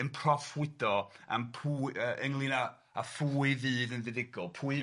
...yn proffwydo am pwy yy ynglŷn â a phwy fydd yn fuddigol, pwy